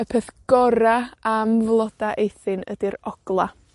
Y peth gora' am floda Eithin ydi'r ogla'.